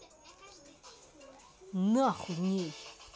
нахуй ней